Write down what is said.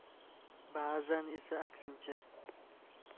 ba'zan esa aksincha